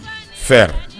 Fɛ